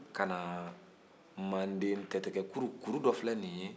kana mandentɛtɛgɛkuru kuru dɔ filɛ nin ye